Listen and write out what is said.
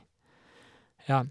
Ja.